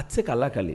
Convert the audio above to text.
A tɛ se k' la ka